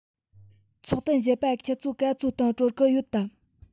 ཚོགས ཐུན བཞི པ ཆུ ཚོད ག ཚོད སྟེང གྲོལ གི ཡོད དམ